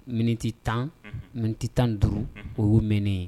Miniti tan min tɛ tan duuru o y ye mɛnen ye